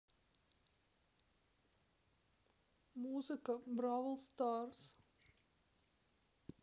музыка бравл старс